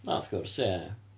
O wrth gwrs, ia